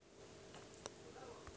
британские котята смотреть